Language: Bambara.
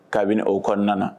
Kabini o kɔnɔna